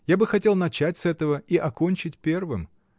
Я бы хотел начать с этого и окончить первым.